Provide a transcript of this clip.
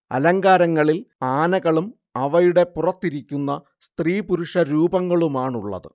അലങ്കാരങ്ങളിൽ ആനകളും അവയുടെ പുറത്തിരിക്കുന്ന സ്ത്രീപുരുഷ രൂപങ്ങളുമാണുള്ളത്